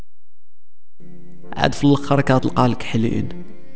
عبد الخالق عبد الخالق